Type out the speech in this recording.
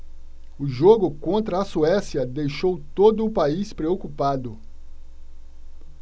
o jogo contra a suécia deixou todo o país preocupado